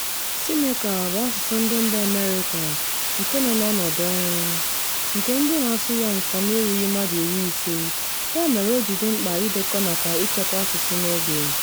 Seneca bụ asụsụ ndị mba Amerịka nke nọ n'ọnọdụ ọnwụ, nke ndị na-asụ ya nke ọma erughị mmadụ iri ise (50), ya mere ọ ji dị mkpa idekọ nakwa ichekwa asụsụ n'oge.